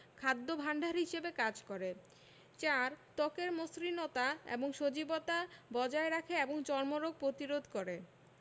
খাদ্য ভাণ্ডার হিসেবে কাজ করে ৪. ত্বকের মসৃণতা এবং সজীবতা বজায় রাখে এবং চর্মরোগ প্রতিরোধ করে